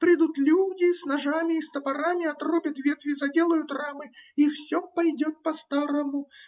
Придут люди с ножами и с топорами, отрубят ветви, заделают рамы, и все пойдет по-старому.